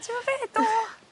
T'mo' be' do!